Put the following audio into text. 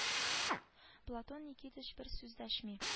Платон никитич бер сүз дәшми